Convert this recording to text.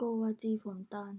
โกวาจีผมตาล